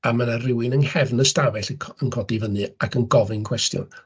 A ma' 'na rywun yng nghefn yr ystafell yn co- yn codi fyny ac yn gofyn cwestiwn.